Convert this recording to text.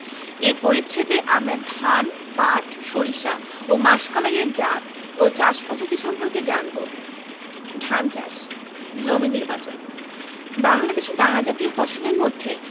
এ পরিচ্ছেদে আমরা ধান পাট সরিষা ও মাসকলাই এর জাত ও চাষ পদ্ধতি সম্পর্কে জানব ধান চাষ জমি নির্বাচনঃ বাংলাদেশে দানাজাতীয় ফসলের মধ্যে